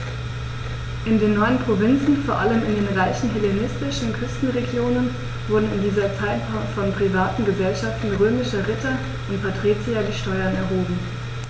In den neuen Provinzen, vor allem in den reichen hellenistischen Küstenregionen, wurden in dieser Zeit von privaten „Gesellschaften“ römischer Ritter und Patrizier die Steuern erhoben.